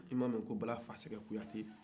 i m'a mɛ ko bala faseke kouyate